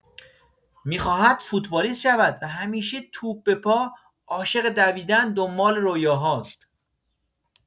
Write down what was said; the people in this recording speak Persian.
می‌خواهد فوتبالیست شود و همیشه توپ به پا عاشق دویدن دنبال رویاهاست.